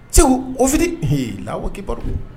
Segu ofi la kibaba